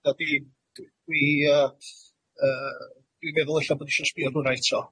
Dydi- dwi yy yy dwi'n meddwl ella bod isio sbio ar hwn'na eto.